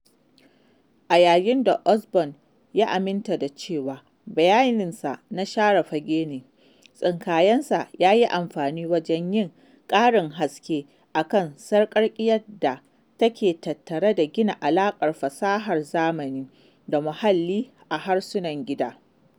A yayin da Osborn ya aminta da cewa, bayaninsa na share fage ne, tsinkayensa ya yi amfani wajen yin ƙarin haske a kan sarƙaƙiyar da take tattare da gina alaƙar fasahar zamani da muhalli a harsunan gida.